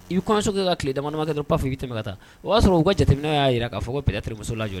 I bɛ kɔɲɔso ka tile dama dama kɛ dɔrɔn paf i bɛ tɛmɛ ka taa. O y'a sɔrɔ u ka jateminɛ y'a jira ka fɔ ko peut être muso lajɔla